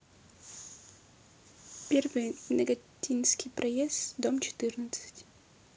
первый нагатинский проезд дом четырнадцать